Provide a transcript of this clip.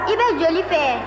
i bɛ joli fɛ